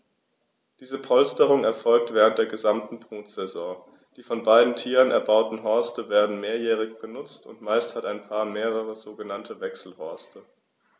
Diese Polsterung erfolgt während der gesamten Brutsaison. Die von beiden Tieren erbauten Horste werden mehrjährig benutzt, und meist hat ein Paar mehrere sogenannte Wechselhorste.